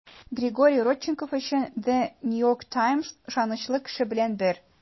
Григорий Родченков өчен The New York Times ышанычлы кеше белән бер.